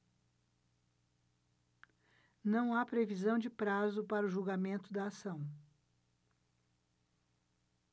não há previsão de prazo para o julgamento da ação